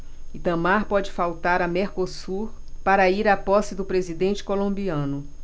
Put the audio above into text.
itamar pode faltar a mercosul para ir à posse do presidente colombiano